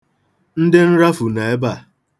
Ndị nrafu nọ ebe a.